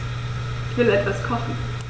Ich will etwas kochen.